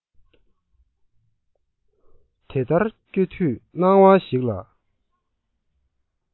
དེ ལྟར བསྐྱོད དུས སྣང བ ཞིག ལ